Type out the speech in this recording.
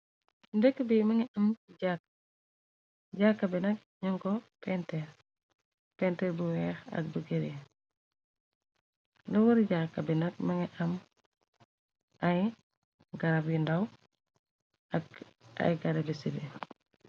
Ndëkk bi mënga am jàakabi nak ñënko penter bu weex ak bugere la war jakabinag mënga am ay garab yu ndaw ak ay garabe side.